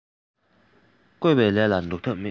བསྐོས པའི ལས ལ ཟློག ཐབས མེད